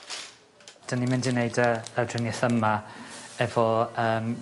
'Dyn ni mynd i neud y lawdrinieth yma efo yym...